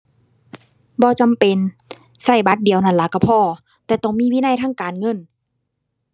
บ่จำเป็น ใช้บัตรเดียวนั่นล่ะใช้พอ แต่ต้องมีวินัยทางการเงิน